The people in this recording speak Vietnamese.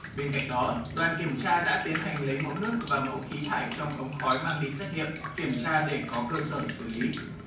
bên cạnh đó đoàn kiểm tra đã tiến hành lấy mẫu nước và mẫu khí thải trong ống khói mang đi xét nghiệm kiểm tra để có cơ sở xử lý